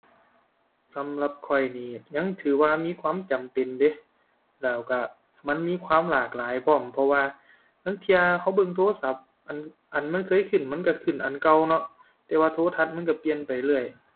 สำหรับข้อยนี่ยังถือว่ามีความจำเป็นเดะ แล้วก็มันมีความหลากหลายพร้อม เพราะว่าลางเที่ยก็เบิ่งโทรศัพท์อัน อันมันเคยขึ้นมันก็ขึ้นอันเก่าเนาะ แต่ว่าโทรทัศน์มันก็เปลี่ยนไปเรื่อย